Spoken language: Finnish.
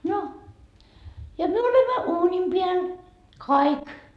no ja me olemme uunin päällä kaikki